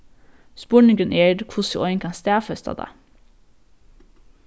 spurningurin er hvussu ein kann staðfesta tað